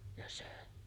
ja söi